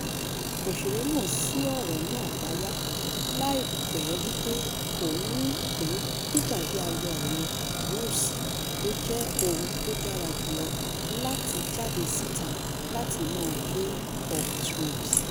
Òṣèré náà sí ọ̀rọ̀ náà payá láìpẹ́ wí pé òun ńròpé pípàdé aya òun Rose lójẹ́ ohun tòdára jùlọ láti jáde síta láti inú Game of Thrones.